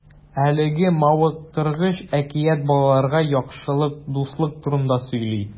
Әлеге мавыктыргыч әкият балаларга яхшылык, дуслык турында сөйли.